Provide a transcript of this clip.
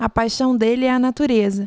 a paixão dele é a natureza